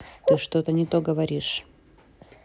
ты что то не то говоришь